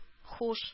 Һуш